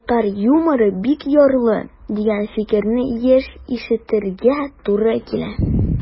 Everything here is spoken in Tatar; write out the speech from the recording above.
Татар юморы бик ярлы, дигән фикерне еш ишетергә туры килә.